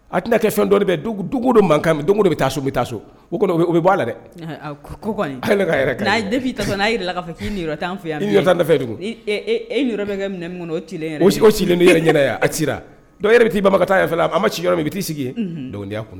A tɛna kɛ fɛn dɔ dugu don mankan dɔ bɛ taa so bɛ taa so o bɛ bɔ'a la dɛfin ta n tan fɛ e yɔrɔ ti o si sigilen n' yɛrɛ ɲɛnaɛnɛ yan a dɔw yɛrɛ bɛ t' ba ka taa fɛ a ma si yɔrɔ min bɛ t'i sigi dondiyaya kun